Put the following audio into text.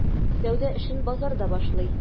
Сәүдә эшен базарда башлый.